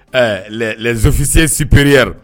Ɛɛ les officieux supérieurs